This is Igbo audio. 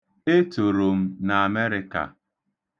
Etoro m n'Amerịka.